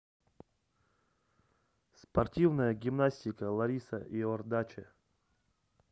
спортивная гимнастика лариса иордаче